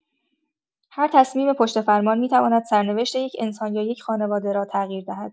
هر تصمیم پشت فرمان، می‌تواند سرنوشت یک انسان یا یک خانواده را تغییر دهد.